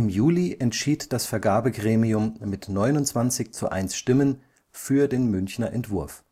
Juli entschied das Vergabegremium mit 29:1 Stimmen für den Münchner Entwurf